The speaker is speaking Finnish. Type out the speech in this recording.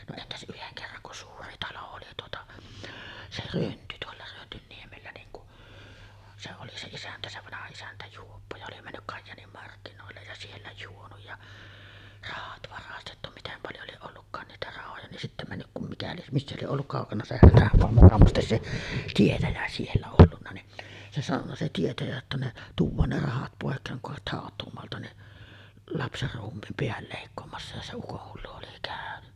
no entäs yhden kerran kun suuri talo oli tuota se Rönty tuolla Rönnynniemellä niin kun se oli se isäntä se vanha isäntä juoppo ja oli mennyt Kajaanin markkinoille ja siellä juonut ja rahat varastettu miten paljon lie ollutkaan niitä rahoja niin sitten mennyt kun mikä lie missä lie ollut kaukana se Hätämaa mukamas se tietäjä siellä ollut niin se sanonut se tietäjä jotta ne tuodaan ne rahat pois kun haet hautuumaalta niin lapsenruumiin pään leikkaamassa ja se ukonhullu oli käynyt